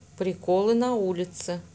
приколы на улице